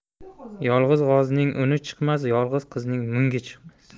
yolg'iz g'ozning uni chiqmas yolg'iz qizning mungi chiqmas